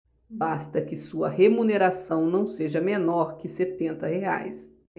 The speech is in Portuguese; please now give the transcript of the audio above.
basta que sua remuneração não seja menor que setenta reais